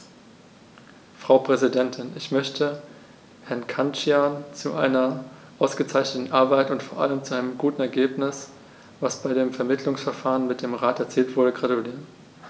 Frau Präsidentin, ich möchte Herrn Cancian zu seiner ausgezeichneten Arbeit und vor allem zu dem guten Ergebnis, das bei dem Vermittlungsverfahren mit dem Rat erzielt wurde, gratulieren.